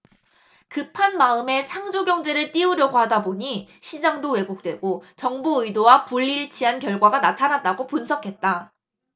급한 마음에 창조경제를 띄우려고 하다 보니 시장도 왜곡되고 정부 의도와 불일치한 결과가 나타났다고 분석했다